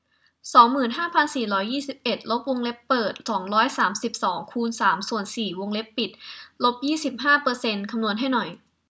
สองหมื่นห้าพันสี่ร้อยยี่สิบเอ็ดลบวงเล็บเปิดสองร้อยสามสิบสองคูณสามส่วนสี่วงเล็บปิดลบยี่สิบห้าเปอร์เซนต์คำนวณให้หน่อย